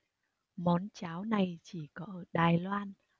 món cháo này chỉ có ở đài loan